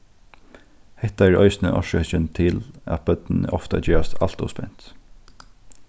hetta er eisini orsøkin til at børnini ofta gerast alt ov spent